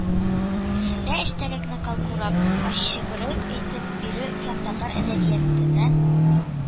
Ре эчтәлекне калкурак, ачыграк әйтеп бирү һәм татар әдәбиятене